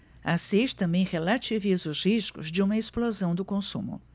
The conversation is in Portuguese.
assis também relativiza os riscos de uma explosão do consumo